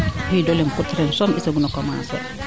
o xiido leŋ kut ren soom i soog no commencer